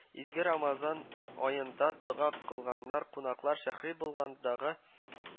Изге рамазан аенда дога кылганда кунаклар шәһри болгардагы